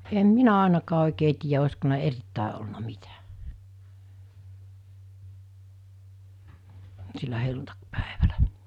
en minä ainakaan oikein tiedä olisiko niillä erittäin ollut mitä sillä helluntaipäivällä